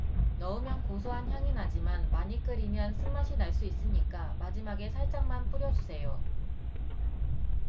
넣으면 고소한 향이 나지만 많이 끓이면 쓴맛이 날 수 있으니까 마지막에 살짝만 뿌려주세요